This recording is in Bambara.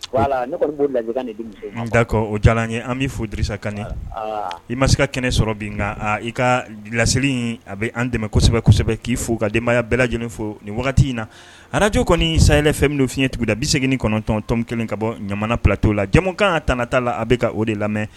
La da kɔ o ja ye an b bɛ fo drisa ka i ma se ka kɛnɛ sɔrɔ bin nka i ka laeli in a bɛ an dɛmɛ kosɛbɛsɛbɛ k'i fo ka denbayaya bɛɛ lajɛlen fo nin wagati in na aj kɔni saɛlɛ fɛn min f fiɲɛɲɛ tugunida bi segin kɔnɔntɔntɔn kelen ka bɔ ɲamana patɔ la jamu kan tta la a bɛ ka o de lamɛn